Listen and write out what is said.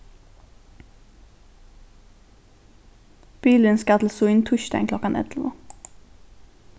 bilurin skal til sýn týsdagin klokkan ellivu